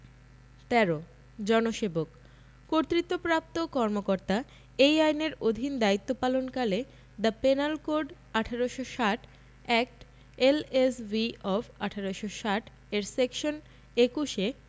১৩ জনসেবক কর্তৃত্বপ্রাপ্ত কর্মকর্তা এই আইনের অধীন দায়িত্ব পালনকালে the penal code ১৮৬০ act L S V of ১৮৬০ এর সেকশন ২১ এ